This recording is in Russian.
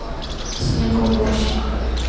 снегоуборщик